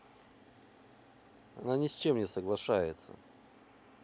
она ни с чем не соглашается